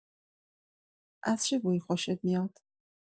از چه بویی خوشت میاد؟